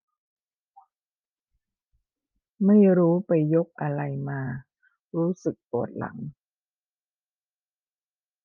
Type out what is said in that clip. ไม่รู้ไปยกอะไรมารู้สึกปวดหลัง